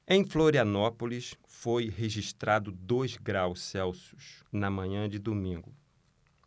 em florianópolis foi registrado dois graus celsius na manhã de domingo